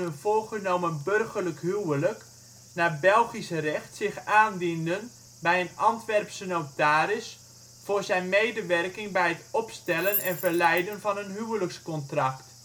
voorgenomen burgerlijk huwelijk naar Belgisch recht zich aandienden bij een Antwerpse notaris voor zijn medewerking bij het opstellen en verlijden van een huwelijkscontract